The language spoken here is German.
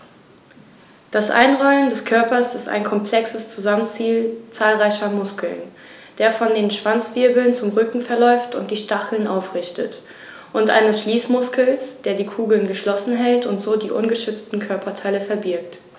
Das Einrollen des Körpers ist ein komplexes Zusammenspiel zahlreicher Muskeln, der von den Schwanzwirbeln zum Rücken verläuft und die Stacheln aufrichtet, und eines Schließmuskels, der die Kugel geschlossen hält und so die ungeschützten Körperteile verbirgt.